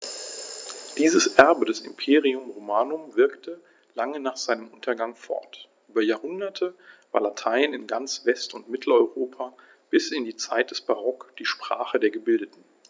Dieses Erbe des Imperium Romanum wirkte lange nach seinem Untergang fort: Über Jahrhunderte war Latein in ganz West- und Mitteleuropa bis in die Zeit des Barock die Sprache der Gebildeten.